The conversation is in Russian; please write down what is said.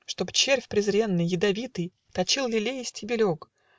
Чтоб червь презренный, ядовитый Точил лилеи стебелек